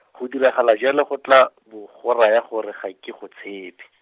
go dira gala jalo go tla, bo go raya gore ga ke go tshepe.